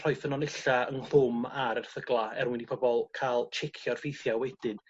rhoi ffynonella yng nghlwm ar erthygla er mwyn i pobol ca'l chiecio'r ffeithia wedyn.